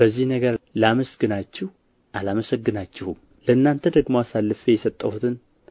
በዚህ ነገር ላመስግናችሁን አላመሰግናችሁም ለእናንተ ደግሞ አሳልፌ የሰጠሁትን